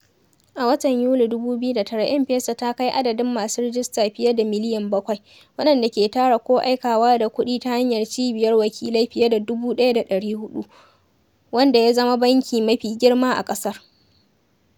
A watan Yuli 2009, M-Pesa ta kai adadin masu rijista fiye da miliyan bakwai, waɗanda ke tara ko aikawa da kuɗi ta hanyar cibiyar wakilai fiye da 1,400, wanda ya zama banki mafi girma a ƙasar.